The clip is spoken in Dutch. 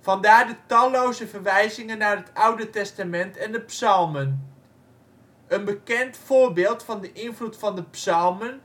Vandaar de talloze verwijzingen naar het Oude Testament en de psalmen. Een bekend voorbeeld van de invloed van de psalmen